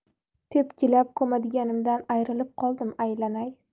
tepkilab ko'madiganimdan ayrilib qoldim aylanay